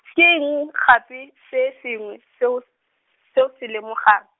ke eng gape se sengwe se o, se o se lemogang?